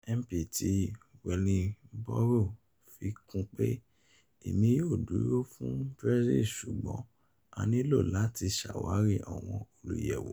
MP ti Welingborough fi kun pé: 'Èmi yóò dúró fún Brexit ṣùgbọ́n a nílò láti ṣàwárí àwọn Olùyẹ̀wò.'